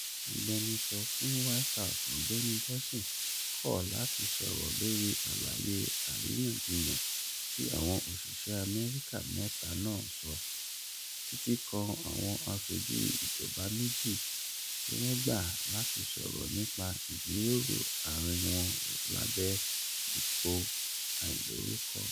Agbẹnusọ fún White House Ọ̀gbẹ́ni Bolton kọ̀ láti sọ̀rọ̀ lórí àlàyé àríyànjiyàn tí àwọn òṣìṣẹ́ Amẹ́ríkà mẹ́ta náà sọ, títí kan àwọn aṣojú ìjọba méjì, tí wọ́n gbà láti sọ̀rọ̀ nípa ìjíròrò àárín wọn lábẹ́ ipò àìlórúkọ.